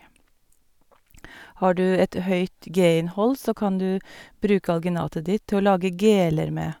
Har du et høyt G-innhold, så kan du bruke alginatet ditt til å lage geler med.